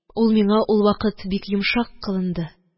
Ул миңа ул вакыт бик йомшак кылынды.